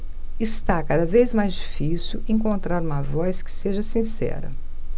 está cada vez mais difícil encontrar uma voz que seja sincera